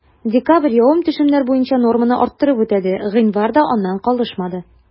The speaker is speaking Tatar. Декабрь явым-төшемнәр буенча норманы арттырып үтәде, гыйнвар да аннан калышмады.